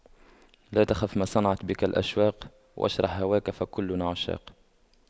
لا تخف ما صنعت بك الأشواق واشرح هواك فكلنا عشاق